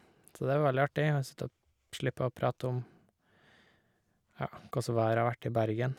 Så det var veldig artig, å sitte og slippe å prate om, ja, koss vær det har vært i Bergen.